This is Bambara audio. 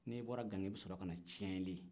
n'i bɔra gangi i bɛ sɔrɔ ka na ciɲɛɛli